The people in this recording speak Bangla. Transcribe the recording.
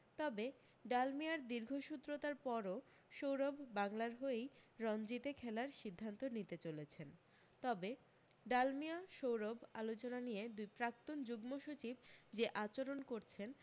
তবে ডালমিয়ার দীর্ঘশত্রুতার পরও সৌরভ বাংলার হয়েই রনজিতে খেলার সিদ্ধান্ত নিতে চলেছেন তবে ডালমিয়া সৌরভ আলোচনা নিয়ে দুই প্রাক্তন যুগ্ম সচিব যে আচরণ করছেন